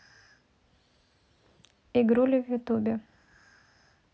игрули в ютубе